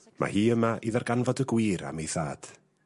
Ma' hi yma i ddarganfod y gwir am ei thad.